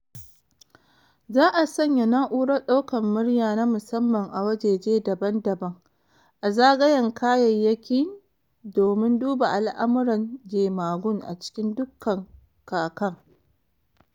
za’a sanya naurar daukar murya na musamman a wajeje daban a zagayen kayayyakin domin duba al’amuran jemagun a cikin dukkan kakan.